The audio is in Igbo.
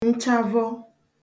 nchavọ